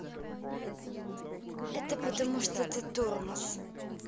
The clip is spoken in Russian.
это потому что ты тормоз